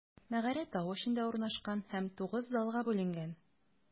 Мәгарә тау эчендә урнашкан һәм тугыз залга бүленгән.